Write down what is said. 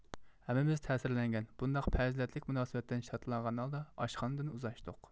ھەممىمىز تەسىرلەنگەن بۇنداق پەزىلەتلىك مۇناسىۋەتتىن شادلانغان ھالدا ئاشخانىدىن ئۇزاشتۇق